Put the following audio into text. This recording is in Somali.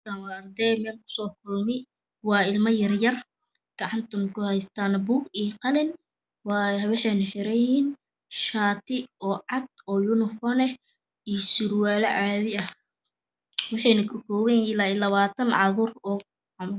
Meshaan waa ardey meel ku soo kulme waa ilmama yaryar gacntana ku hestaan buug iyo qalin waxiina xiranyihiin shaati oo cad oo yunifoon ah iyo surwala cadiya ah waxeyna ka kooban yihiin ilaa lapaatan caruur ah